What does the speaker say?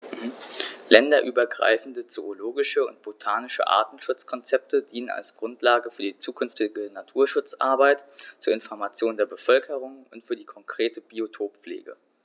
Länderübergreifende zoologische und botanische Artenschutzkonzepte dienen als Grundlage für die zukünftige Naturschutzarbeit, zur Information der Bevölkerung und für die konkrete Biotoppflege.